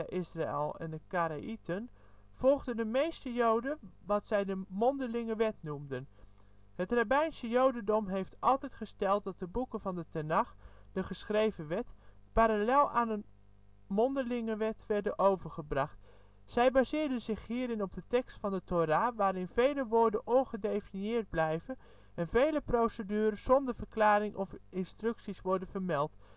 Israël en de Karaïeten), volgden de meeste joden wat zij de mondelinge wet noemen. Het Rabbijnse jodendom heeft altijd gesteld dat de boeken van de Tenach (de geschreven wet) parallel aan een mondelinge wet werden overgebracht. Zij baseren zich hierin op de tekst van de Thora, waarin vele woorden ongedefinieerd blijven en vele procedures zonder verklaring of instructies worden vermeld